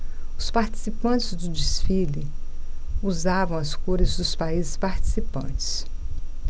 os participantes do desfile usavam as cores dos países participantes